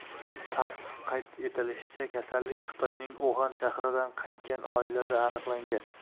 tass qayd etilishicha kasallik xitoyning uxan shahridan qaytgan oilada aniqlangan